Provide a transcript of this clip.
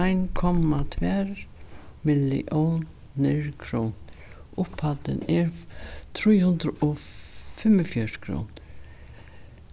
ein komma tvær milliónir krónur upphæddin er trý hundrað og fimmogfjøruti krónur